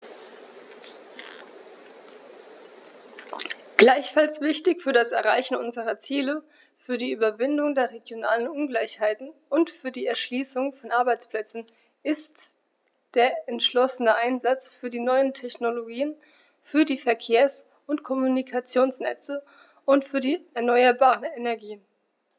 Gleichfalls wichtig für das Erreichen unserer Ziele, für die Überwindung der regionalen Ungleichheiten und für die Erschließung von Arbeitsplätzen ist der entschlossene Einsatz für die neuen Technologien, für die Verkehrs- und Kommunikationsnetze und für die erneuerbaren Energien.